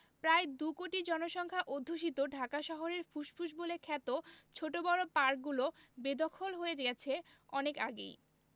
প্রায় দুকোটি জনসংখ্যা অধ্যুষিত ঢাকা শহরের ফুসফুস বলে খ্যাত ছোট বড় পার্কগুলো বেদখল হয়ে গেছে অনেক আগেই